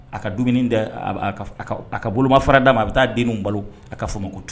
A ka dumuni dɛ, a ka bolomafara da ma a bi taa denninw balo a ka fɔ a ma ko tu